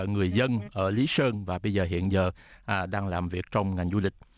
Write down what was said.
người dân ở lý sơn và bây giờ hiện giờ là đang làm việc trong ngành du lịch